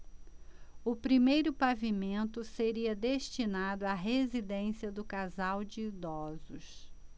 o primeiro pavimento seria destinado à residência do casal de idosos